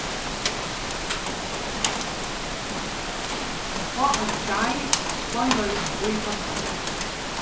fá eitt prei beinleiðis í postkassan